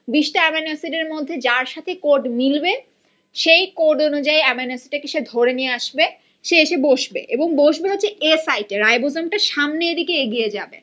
বিশটা এমাইনো এসিডের মধ্যে যার সাথে কোড মিলবে সেই কোড অনুযায়ী অ্যামাইনো এসিড টাকে সে ধরে নিয়ে আসবে সে এসে বসবে এবং সে বসবে হচ্ছে এ সাইটে রাইবোজোম টা সামনের দিকে এগিয়ে যাবে